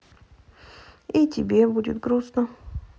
и тебе будет грустно